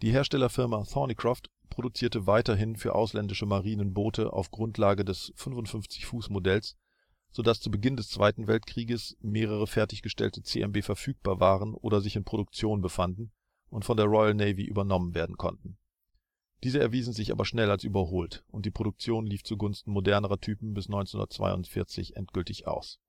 Herstellerfirma Thornycroft produzierte weiterhin für ausländische Marinen Boote auf Grundlage des 55 ft Modells, so dass zu Beginn des Zweiten Weltkrieges mehrere fertiggestellte CMB verfügbar waren oder sich in Produktion befanden und von der Royal Navy übernommen werden konnten. Diese erwiesen sich aber schnell als überholt und die Produktion lief zugunsten modernerer Typen bis 1942 aus